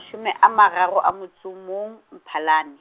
shome a mararo a motso o mong, Mphalane.